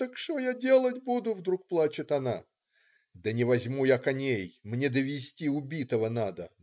так что я делать буду",- вдруг плачет она. "Да не возьму я коней. Мне довести убитого надо.